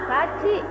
pati